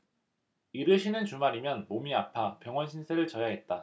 일을 쉬는 주말이면 몸이 아파 병원 신세를 져야 했다